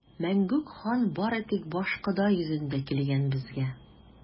Мәңгүк хан бары тик башкода йөзендә килгән безгә!